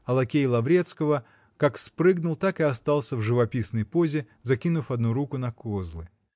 а лакей Лаврецкого как спрыгнул, так и остался в живописной позе, закинув одну руку на козлы.